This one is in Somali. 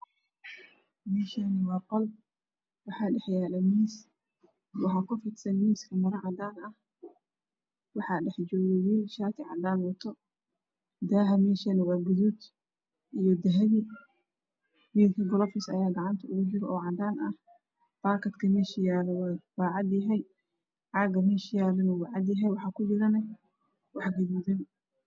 Meeshani waa qol waxaa dhax yaala miis miiska waxa ku fidsan mara cadaan ah waxaa dhajoogo wiil shaati cadaan wato dah meeshana waa gaduud iyo dahapi galoofis ayaa gacanta ugu jiro oo cadaana ah bakadka meesha yaala waa cad yaahy caaga meesha yaala waa cadyahy waxaa ku jiro wax kuduudan